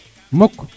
mukk